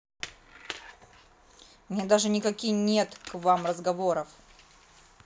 мне даже никаки нет к вам разговоров